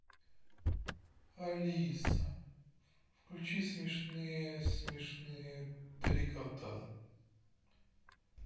алиса включи смешные смешные три кота